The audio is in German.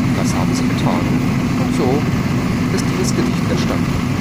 Das haben sie getan, und so ist dieses Gedicht entstanden